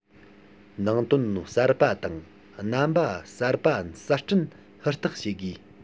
ནང དོན གསར པ དང རྣམ པ གསར པ གསར སྐྲུན ཧུར ཐག བྱེད དགོས